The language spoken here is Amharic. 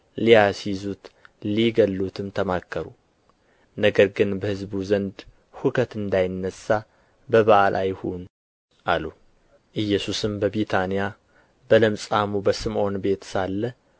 ሊያስይዙት ሊገድሉትም ተማከሩ ነገር ግን በሕዝቡ ዘንድ ሁከት እንዳይነሣ በበዓል አይሁን አሉ ኢየሱስም በቢታንያ በለምጻሙ በስምዖን ቤት ሳለ